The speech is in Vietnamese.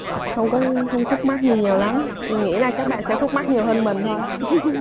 không có không khúc mắc gì nhiều lắm mình nghĩ là các bạn sẽ khúc mắc nhiều hơn mình thôi